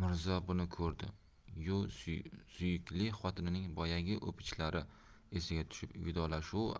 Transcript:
mirzo buni ko'rdi yu suyukli xotinining boyagi o'pichlari esiga tushib vidolashuv